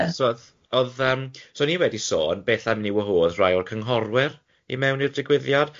so o'dd- o'dd yym so o'n i wedi sôn beth am ni wahodd rai o'r cynghorwyr i mewn i'r digwyddiad,